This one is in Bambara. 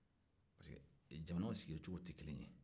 parce que jamanaw sigicogo tɛ kelen ye